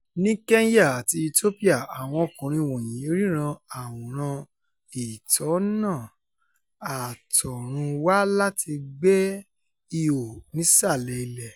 Ní Kenya àti Ethiopia, àwọn ọkùnrin wọ̀nyí ríran àwòrán-ìtọ́nà' àt'ọ̀run wá láti gbẹ́ ihò nísàlẹ̀ ilẹ̀